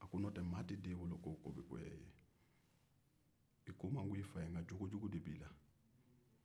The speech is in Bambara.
n'o tɛ maa tɛ den wolo k'o bɛ ko goya i ye i ko man go i fa ye nka jogo jugu de b'i la